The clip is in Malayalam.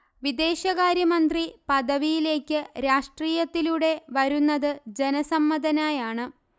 വിദേശകാര്യമന്ത്രി പദവിയിലേക്ക് രാഷ്ട്രീയത്തിലൂടെ വരുന്നത് ജനസമ്മതനായാണ്